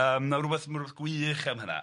Yym ma'n rywbeth ma'n rywbeth gwych am hynna.